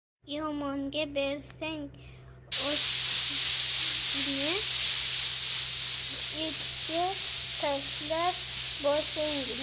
yomonga bersang oshingni itga tashlar boshingni